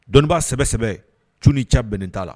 Dɔnnibaa sɛsɛ cun ni ca bɛnnen t taa la